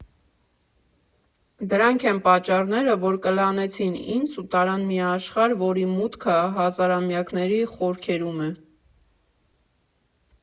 Դրանք են պատճառները, որ կլանեցին ինձ ու տարան մի աշխարհ, որի մուտքը հազարամյակների խորքերում է։